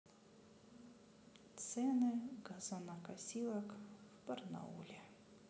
цены газонокосилок в барнауле